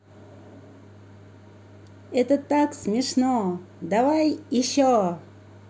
это так смешно давай еще